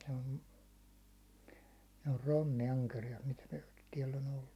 se on ne on rommiankeriaat mitä täällä on ollut